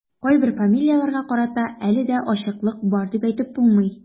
Кайбер фамилияләргә карата әле дә ачыклык бар дип әйтеп булмый.